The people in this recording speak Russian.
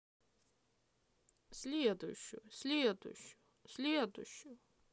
следующую следующую следующую